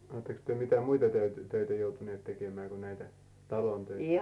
oletteko te mitä muita töitä joutuneet tekemään kuin näitä talon töitä